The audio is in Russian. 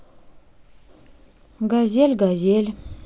газель газель